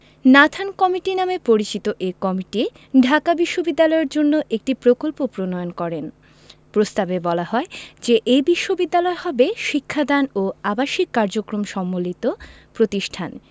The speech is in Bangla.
নাথান কমিটি নামে পরিচিত এ কমিটি ঢাকা বিশ্ববিদ্যালয়ের জন্য একটি প্রকল্প প্রণয়ন করেন প্রস্তাবে বলা হয় যে এ বিশ্ববিদ্যালয় হবে শিক্ষাদান ও আবাসিক কার্যক্রম সম্বলিত প্রতিষ্ঠান